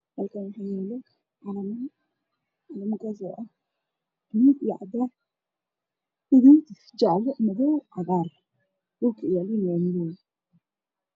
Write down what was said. Halkaan waxaa ka muuqda calanka somalia iyo calanka falastiin